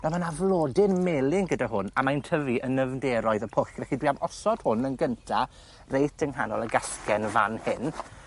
naw' ma' 'na flodyn melyn gyda hwn a mae'n tyfu yn nyfnderoedd y pwll felly dwi am osod hwn yn gynta reit yng nghanol y gasgen fan hyn